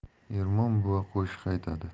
ermon buva qo'shiq aytadi